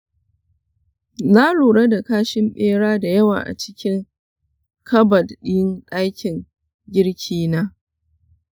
na lura da kashin bera da yawa a cikin kabad ɗin ɗakin girkina.